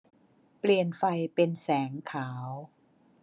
เปลี่ยนไฟเป็นแสงขาว